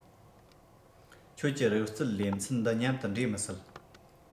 ཁྱོད གྱི རོལ རྩེད ལེ ཚན འདི མཉམ དུ འདྲེས མི སྲིད